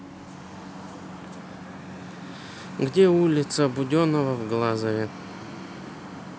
где улица буденного в глазове